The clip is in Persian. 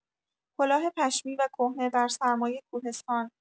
کلاه پشمی و کهنه در سرمای کوهستان